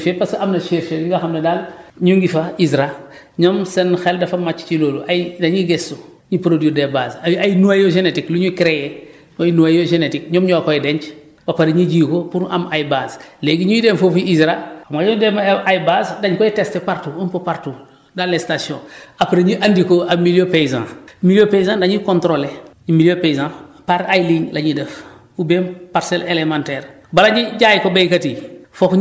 donc semence yii yëpp am na certifié parce que am na chercheurs yi nga xam ne daal ñu ngi fa ISRA ñoom seen xel dafa màcc ci loolu ay dañuy gëstu pour produire des bases ay ay noyaux génétique lu ñu créé mooy noyau génétique ñoom ñoo koy denc ba pare ñu ji ko pour am ay bases léegi ñuy dem foofu ISRA mooy yuy dem ay base dañ koy testé partout un peu partout dans les stations après ñu andi ko à milieu paysan milieu paysan dañuy contrôlé milieu paysan par ay lignes la ñuy def oubien parcelle élémentaire